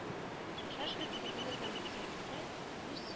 Шашка телевизордан күрсәтелсә, үз